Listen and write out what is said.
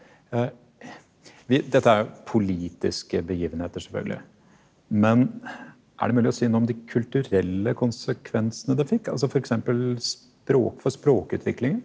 dette er politiske begivenheter selvfølgelig men er det mulig å si noe om de kulturelle konsekvensene det fikk altså f.eks. for språkutviklingen?